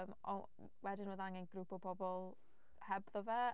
Yym, wedyn roedd angen grŵp o bobl hebddo fe.